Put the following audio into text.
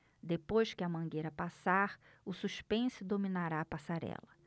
depois que a mangueira passar o suspense dominará a passarela